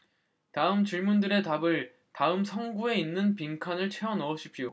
다음 질문들에 답한 다음 성구에 있는 빈칸을 채워 넣으십시오